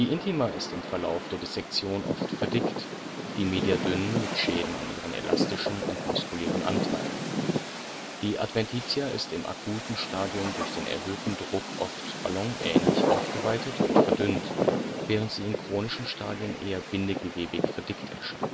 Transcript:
Intima ist im Verlauf der Dissektion oft verdickt, die Media dünn mit Schäden an ihren elastischen und muskulären Anteilen. Die Adventitia ist im akuten Stadium durch den erhöhten Druck oft ballonähnlich aufgeweitet und verdünnt, während sie in chronischen Stadien eher bindegewebig verdickt erscheint